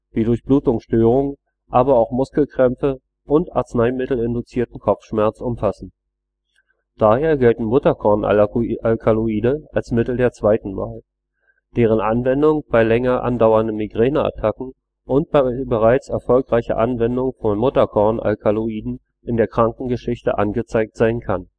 wie Durchblutungsstörungen, aber auch Muskelkrämpfe und arzneimittelinduzierten Kopfschmerz umfassen. Daher gelten Mutterkornalkaloide als Mittel der zweiten Wahl, deren Anwendung bei länger andauernden Migräneattacken und bei bereits erfolgreicher Anwendung von Mutterkornalkaloiden in der Krankengeschichte angezeigt sein kann